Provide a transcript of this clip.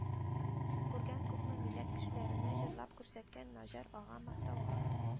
Күргән, күпме милләт кешеләренә җырлап күрсәткән наҗар ага мактауга